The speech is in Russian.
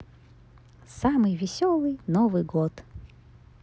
самый веселый новый год